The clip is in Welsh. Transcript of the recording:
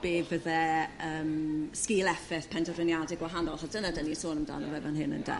be fydde yrm sgil-effaith penderfyniade gwahanol 'chos dyna dyn ni sôn amdano fe fan hyn ynde?